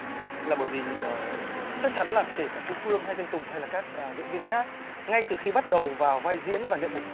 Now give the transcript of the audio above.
là bởi vì chắc chắn là kể cả cô phương hay danh tùng hay là các diễn viên khác ngay từ khi bắt đầu vào vai diễn và nhận bộ